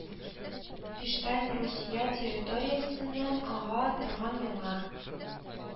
Пиштань Русия территориясеннән ага торган елга